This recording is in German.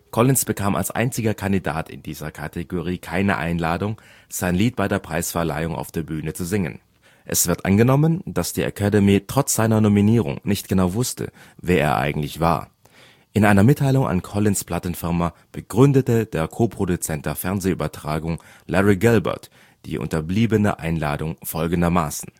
Collins bekam als einziger Kandidat in dieser Kategorie keine Einladung, sein Lied bei der Preisverleihung auf der Bühne zu singen. Es wird angenommen, dass die Academy trotz seiner Nominierung nicht genau wusste, wer er eigentlich war. In einer Mitteilung an Collins ' Plattenfirma begründete der Co-Produzent der Fernsehübertragung Larry Gelbart die unterbliebene Einladung folgendermaßen